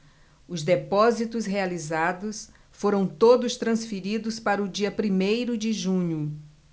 os depósitos realizados foram todos transferidos para o dia primeiro de junho